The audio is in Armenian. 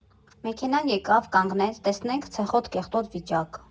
Մեքենան եկավ, կանգնեց, տեսնենք՝ ցեխոտ, կեղտոտ վիճակ։